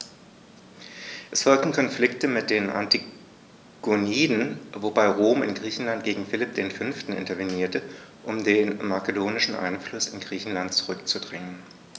Es folgten Konflikte mit den Antigoniden, wobei Rom in Griechenland gegen Philipp V. intervenierte, um den makedonischen Einfluss in Griechenland zurückzudrängen.